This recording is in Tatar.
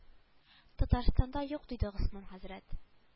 Татарстанда юк диде госман хәзрәт